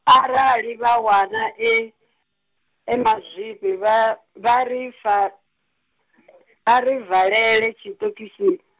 arali vha wana e , e mazwifhi vha, vha ri fa, vha ri valele tshiṱokisini.